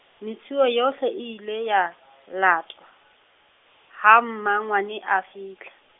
mesuwe yohle e ile ya, latwa ha Mmangwane a fihla.